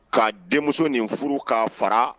K' denmuso nin furu k'a fara